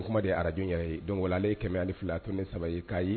Kuma de ye Radio in yɛrɛ ye donc ale ye 102.3 ye